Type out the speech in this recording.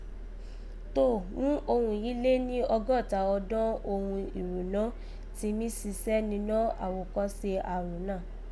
Tóò, ghún irun yìí le ni ọgọ́ta ọdọ́n òghun ìrònọ́ ti mí sisẹ́ ninọ́ àwòkọ́se àrùn náà